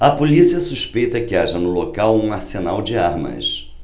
a polícia suspeita que haja no local um arsenal de armas